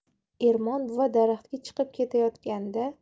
ermon buva daraxtga chiqib ketayotganda